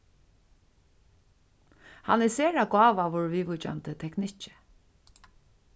hann er sera gávaður viðvíkjandi teknikki